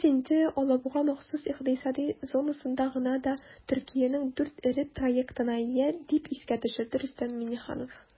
"без инде алабуга махсус икътисади зонасында гына да төркиянең 4 эре проектына ия", - дип искә төшерде рөстәм миңнеханов.